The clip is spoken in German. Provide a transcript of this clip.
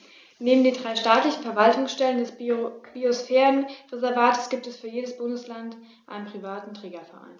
Neben den drei staatlichen Verwaltungsstellen des Biosphärenreservates gibt es für jedes Bundesland einen privaten Trägerverein.